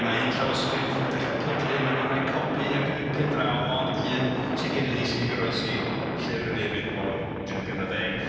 Ma' un llawysgrif yn dechrau pydru, a maen nhw'n neud copi, ac yn pen draw mond un sy gyda ni sy 'di goroesi, llyfr Aneurin o'r drydydd ganrif ar ddeg.